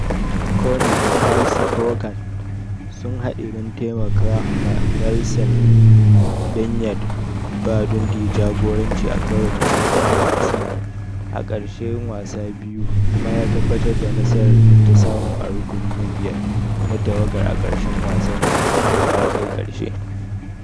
Cownie da Charles Corcoran sun hade don taimakama Nielsen don ya ba Dundee jagoraci a karo na farko a wasan a karshen wasa biyu kuma ya tabbatar da nasarar da ta samu a rukuni na biyar na tawagar a karshen wasa yakai karshe.